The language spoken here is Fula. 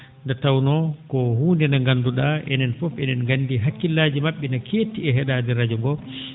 nde tawnoo ko huunde nde nganndu?aa enen fof e?en nganndi hakkillaaji ma??e ne keetti e he?aade radio ngoo